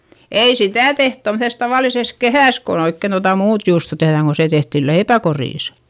ei sitä tehty tuommoisessa tavallisessa kehässä kun oikein tuota muuta juustoa tehdään kun se tehtiin leipäkorissa